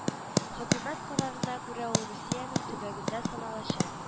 Хөкүмәт карарына күрә ул русиянең төбәгендә сыналачак